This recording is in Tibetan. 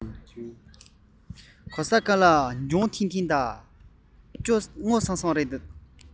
གང སར ལྗང ཐིང ཐིང དང སྔོ སིལ སིལ རེད